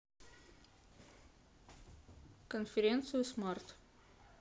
конференцию смарт